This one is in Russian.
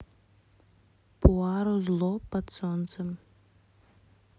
пуаро зло под солнцем